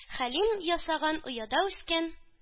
Хәлим ясаган ояда үскән